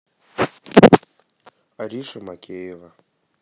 ариша макеева